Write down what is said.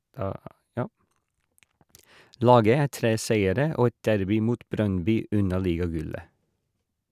Laget er tre seire og et derby mot Brøndby unna ligagullet.